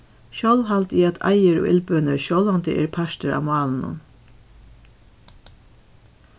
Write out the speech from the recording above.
sjálv haldi eg at eiðir og illbønir sjálvandi eru partur av málinum